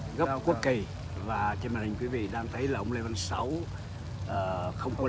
gấp quốc kì và trên màn hình quý vị đang thấy là ông lê văn sáu à không có